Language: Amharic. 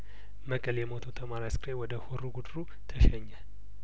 መቀሌ የሞተው ተማሪ አስክሬን ወደ ሆሮ ጉድሩ ተሸኘ